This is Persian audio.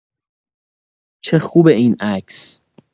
چه خوبه این عکس